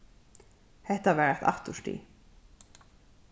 hetta var eitt afturstig